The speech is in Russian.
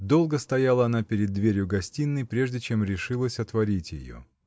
Долго стояла она перед дверью гостиной, прежде чем решилась отворить ее